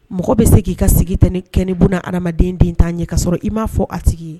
Mɔgɔ bi se ki ka sigi kɛ ni buna hadamaden den ntan ye ka sɔrɔ i ma fɔ a tigi ye.